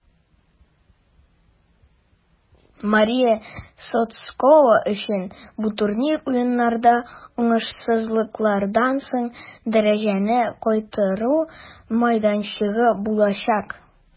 Мария Сотскова өчен бу турнир Уеннарда уңышсызлыклардан соң дәрәҗәне кайтару мәйданчыгы булачак.